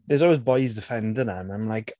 there's always boys defending it and I'm like...